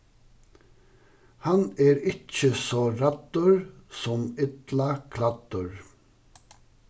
hann er ikki so ræddur sum illa klæddur